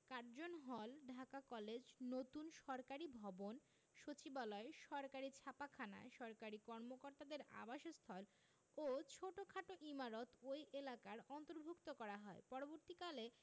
Curzon hall Dhaka college নতুন সরকারি ভবন সচিবালয় সরকারি ছাপাখানা সরকারি কর্মকর্তাদের আবাসস্থল ও ছোটখাট ইমারত ওই এলাকার অন্তর্ভুক্ত করা হয় পরবর্তীকালে